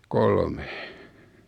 kolme